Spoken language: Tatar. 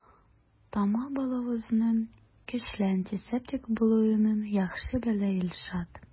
Тома балавызның көчле антисептик булуын яхшы белә Илшат.